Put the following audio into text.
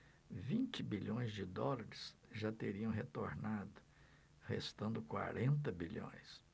vinte bilhões de dólares já teriam retornado restando quarenta bilhões